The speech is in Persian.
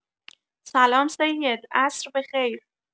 سلام سید عصر بخیر